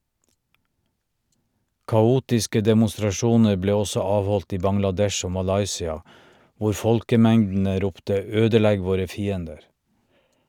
Kaotiske demonstrasjoner ble også avholdt i Bangladesh og Malaysia, hvor folkemengdene ropte «ødelegg våre fiender!»